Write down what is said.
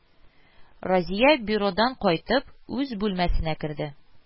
Разия, бюродан кайтып, үз бүлмәсенә керде